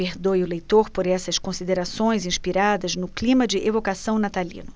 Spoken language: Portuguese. perdoe o leitor por essas considerações inspiradas no clima de evocação natalino